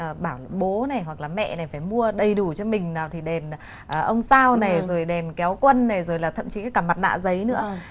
bảo bố này hoặc là mẹ này phải mua đầy đủ cho mình nào thì đèn ông sao này rồi đèn kéo quân này rồi là thậm chí cả mặt nạ giấy nữa